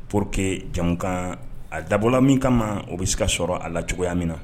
Po que jamu kan a dabɔla min kama ma o bɛ se ka sɔrɔ a la cogoya min na